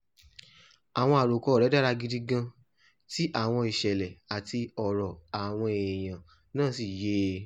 Àwọn àròkọ rẹ̀ dára gidi gan tí àwọn ìṣẹ̀lẹ̀ àti ọ̀rọ̀ àwọn èèyàn náà sì yé e.